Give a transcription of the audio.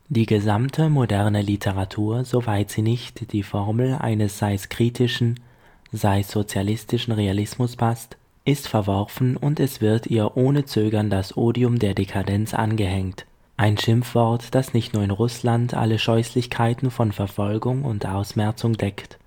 Die gesamte moderne Literatur, soweit sie nicht die Formel eines sei’ s kritischen, sei’ s sozialistischen Realismus passt, ist verworfen, und es wird ihr ohne Zögern das Odium der Dekadenz angehängt, ein Schimpfwort, das nicht nur in Rußland alle Scheußlichkeiten von Verfolgung und Ausmerzung deckt